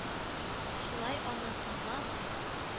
Шулай аны тыңлап,